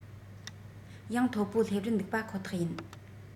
ཡང མཐོ པོ སླེབས རན འདུག པ ཁོ ཐག ཡིན